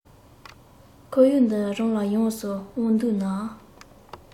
ཁོར ཡུག འདི རང ལ ཡོངས སུ དབང འདུག ནའང